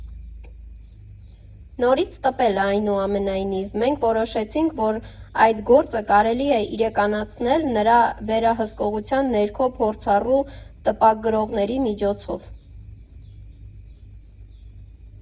Նորից տպել Այնուամենայնիվ, մենք որոշեցինք, որ այդ գործը կարելի է իրականացնել նրա վերահսկողության ներքո՝ փորձառու տպագրողների միջոցով։